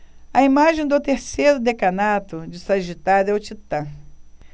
a imagem do terceiro decanato de sagitário é o titã